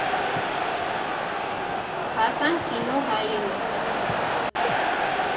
Հասանք կինո «Հայրենիք»։